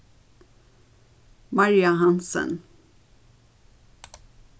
maria hansen